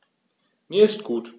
Mir ist gut.